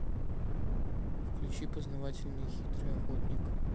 включи познаватель хитрый охотник